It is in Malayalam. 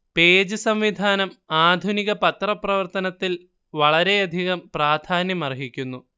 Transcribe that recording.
പേജ് സംവിധാനം ആധുനിക പത്രപ്രവർത്തനത്തിൽ വളരെയധികം പ്രാധാന്യം അർഹിക്കുന്നു